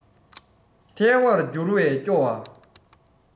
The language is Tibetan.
ཐལ བར འགྱུར བས སྐྱོ བ